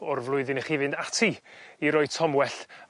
o'r flwyddyn i chi fynd ati i roi tomwell